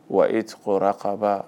Wa e tɔgɔ kaba